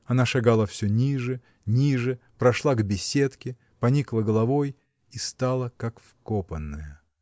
Она шагала всё ниже, ниже, прошла к беседке, поникла головой и стала как вкопанная.